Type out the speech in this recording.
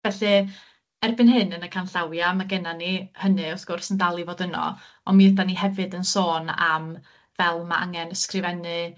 Felly erbyn hyn, yn y canllawia ma' gennan ni hynny wrth gwrs yn dal i fod yno on' mi ydan ni hefyd yn sôn am fel ma' angen ysgrifennu